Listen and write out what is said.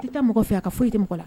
I tɛ mɔgɔ fɛ a ka foyi tɛ mɔgɔ la